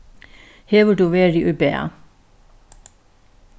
hevur tú verið í bað